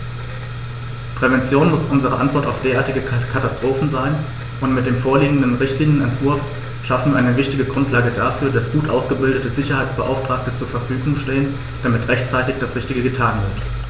Prävention muss unsere Antwort auf derartige Katastrophen sein, und mit dem vorliegenden Richtlinienentwurf schaffen wir eine wichtige Grundlage dafür, dass gut ausgebildete Sicherheitsbeauftragte zur Verfügung stehen, damit rechtzeitig das Richtige getan wird.